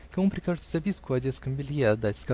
-- Кому прикажете записку о детском белье отдать?